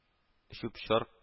Чүп-чар